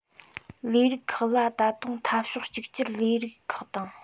ལས རིགས ཁག ལ ད དུང འཐབ ཕྱོགས གཅིག གྱུར ལས རིགས ཁག དང